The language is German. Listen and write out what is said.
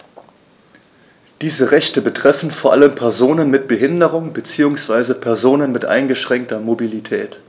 Diese Rechte betreffen vor allem Personen mit Behinderung beziehungsweise Personen mit eingeschränkter Mobilität.